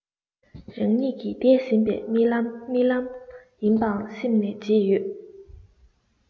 རང ཉིད ཀྱི འདས ཟིན པའི རྨི ལམ རྨི ལམ ཡིན པའང སེམས ནས བརྗེད ཡོད